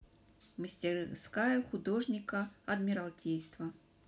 мастерская художника адмиралтейство